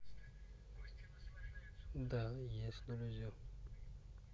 сбер у тебя есть друзья